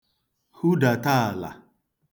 hudàta àlà